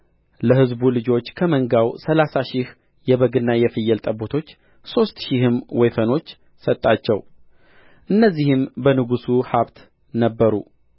ለሕዝቡ ልጆች ከመንጋው ሠላሳ ሺህ የበግና የፍየል ጠቦቶች ሦስት ሺህም ወይፈኖች ሰጣቸው እነዚህም ከንጉሡ ሀብት ነበሩ